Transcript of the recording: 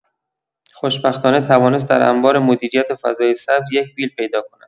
خوشبختانه توانست در انبار مدیریت فضای سبز یک بیل پیدا کند.